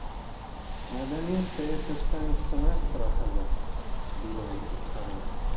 Мәдәният сәясәттән өстенрәк тора хәзер, диде ул уфтанып.